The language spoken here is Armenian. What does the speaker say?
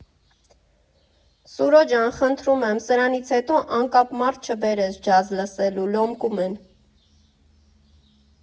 Սուրո ջան, խնդրում եմ սրանից հետո անկապ մարդ չբերես ջազ լսելու, լոմկում են։